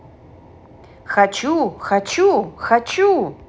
хочу хочу хочу